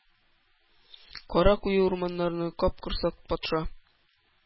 Кара куе урманнарны капкорсак патша